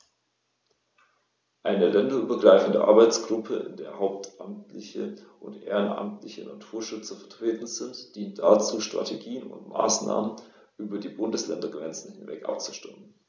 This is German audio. Eine länderübergreifende Arbeitsgruppe, in der hauptamtliche und ehrenamtliche Naturschützer vertreten sind, dient dazu, Strategien und Maßnahmen über die Bundesländergrenzen hinweg abzustimmen.